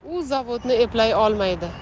u zavodni eplay olmaydi